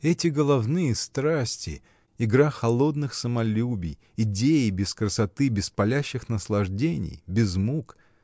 Это головные страсти — игра холодных самолюбий, идеи без красоты, без палящих наслаждений, без мук.